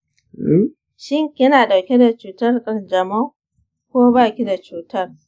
shin kina dauke da cutar kanjamau ko baki da cutar?